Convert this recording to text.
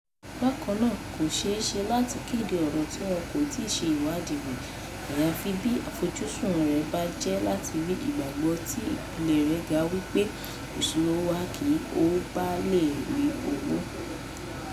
Bákan náà kò ṣeé ṣe láti kéde ọ̀rọ̀ tí wọn kò tíì ṣe ìwádìí rẹ̀, àyàfi bí àfojúsùn rẹ bá jẹ́ láti rí ìgbàgbọ́ tí ìpele rẹ̀ ga wí pé ìṣòro wa kí ó bàa lè rí owó.